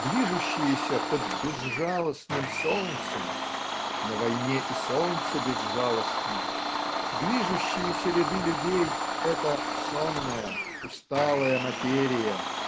Движущиеся под "безжалостным" солнцем (на войне и солнце безжалостно) движущиеся ряды людей это сонная, усталая материя